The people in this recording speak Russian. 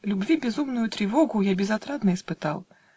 Любви безумную тревогу Я безотрадно испытал.